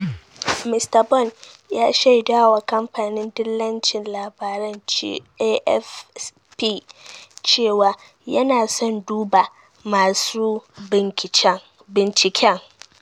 Mista Bone ya shaida wa kamfanin dillancin labaran AFP cewa, yana son 'duba' 'Masu binciken'.